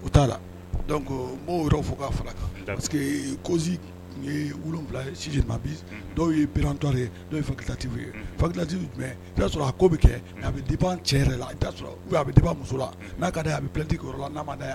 U t' la' yɔrɔ fo ka fara kan que kosi tun wuwula siji bi dɔw ye ptɔre ye dɔw ye kiti yelati jumɛn'a sɔrɔ a ko bɛ kɛ bɛ diba cɛ yɛrɛ la a bɛba muso la n'a a bɛ plɛti yɔrɔ n'